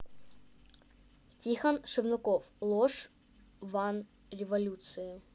тихон шевкунов ложь ван революции